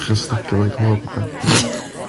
Dechra snogi o flaen Co-Op fatha.